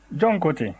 jɔn ko ten